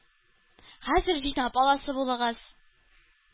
-хәзер җыйнап аласы булыгыз!